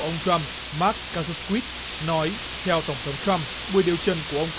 ông trăm mác cô rốt guýt nói theo tổng thống trăm buổi điều trần của ông